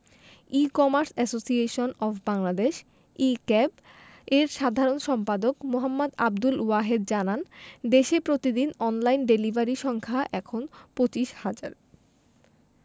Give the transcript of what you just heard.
E commerce association of Bangladesh e CAB এর সাধারণ সম্পাদক মো. আবদুল ওয়াহেদ জানান দেশে প্রতিদিন অনলাইন ডেলিভারি সংখ্যা এখন ২৫ হাজার